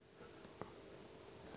включить песню малолеточка